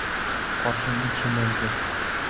qoshini chimirdi